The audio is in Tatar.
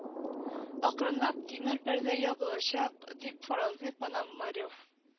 Акрынлап тимер пәрдә ябылачак дип фаразлый пономарев